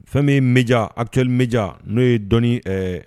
Fɛn min bɛja hakɛkili mja n'o ye dɔɔnin ɛɛ